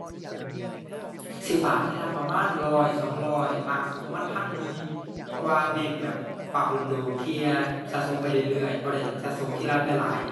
สิฝากทีละประมาณร้อย สองร้อย มากสุดก็ประมาณพันหนึ่ง เพราะว่าเน้นแบบฝากโดนโดนเที่ย สะสมไปเรื่อยเรื่อย บ่ได้สะสมทีละหลายหลาย